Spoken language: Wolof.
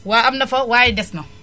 waaw am na fa waaye des na